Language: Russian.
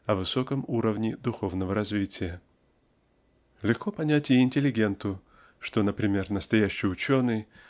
о высоком уровне духовного развития. Легко понять и интеллигенту что например настоящий ученый